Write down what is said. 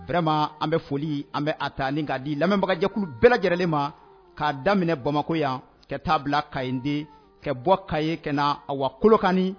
Fɛrɛma an bɛ foli an bɛ a ta ni ka di lamɛnbagajɛkulu bɛɛ lajɛlenɛrɛlen ma k'a daminɛ bamakɔ yan ka taa bila ka ɲi di ka bɔ ka ye ka a wakolokan